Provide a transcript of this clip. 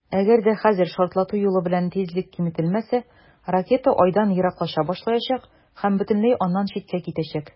Әгәр дә хәзер шартлату юлы белән тизлек киметелмәсә, ракета Айдан ераклаша башлаячак һәм бөтенләй аннан читкә китәчәк.